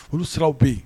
Olu siraw bɛ yen